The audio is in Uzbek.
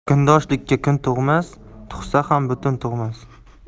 kundoshlikka kun tug'mas tug'sa ham butun tug'mas